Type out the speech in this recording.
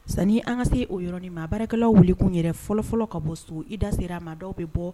San an ka se oɔrɔnɔni maa baarakɛlaw wele tun yɛrɛ fɔlɔfɔlɔ ka bɔ so i dasera ma dɔw bɛ bɔ